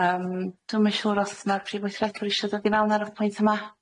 Yym dwi'm yn siŵr os ma'r prif weithredwr isio dod i mewn ar y pwynt yma?